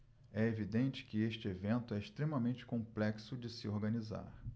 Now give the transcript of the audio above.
é evidente que este evento é extremamente complexo de se organizar